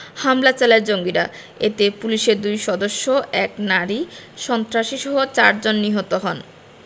হামলা চালায় জঙ্গিরা এতে পুলিশের দুই সদস্য এক নারী সন্ত্রাসীসহ চারজন নিহত হন